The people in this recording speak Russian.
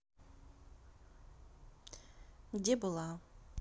где была